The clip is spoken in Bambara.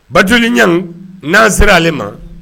Batouli niang n'a sera ale ma